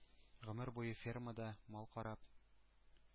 Гомер буе фермада мал карап,